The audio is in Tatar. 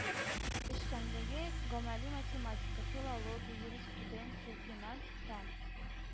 Эшчәнлеге “гамәли математика”, “филология”, “юриспруденция”, “финанс һәм